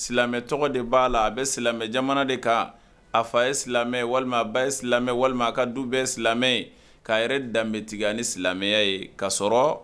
Silamɛ tɔgɔ de b'a la a bɛ silamɛja de kan a fa ye silamɛ walima a ba ye silamɛ walima a ka du bɛɛ silamɛ ye'a yɛrɛ danbebe tigɛ ni silamɛya ye ka sɔrɔ